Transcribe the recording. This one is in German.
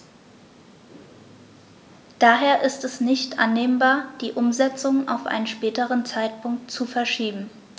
Daher ist es nicht annehmbar, die Umsetzung auf einen späteren Zeitpunkt zu verschieben.